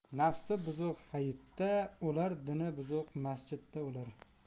nafsi buzuq hayitda o'lar dini buzuq masjidda